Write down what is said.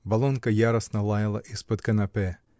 Болонка яростно лаяла из-под канапе.